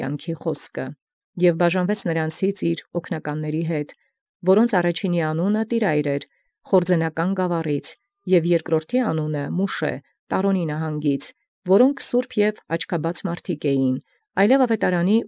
Եւ հրաժարեալ ի նոցանէն հանդերձ աւգնականաւքն, որոց առաջնումն Տիրայր անուն ի Խորձենական գաւառէն, և երկրորդին Մուշէ անուն ի նահանգէ Տարաւնոյ, որք էին սուրբք և զուարթագոյնք, հանդերձ այլովք ևս։